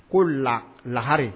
Ko la laha